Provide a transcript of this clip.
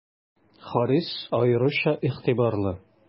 Харис аеруча игътибарлы.